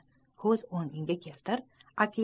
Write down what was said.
ko'z oldingga keltir